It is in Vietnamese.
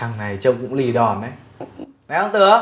thằng này trông cũng lì đòn đấy này ông tướng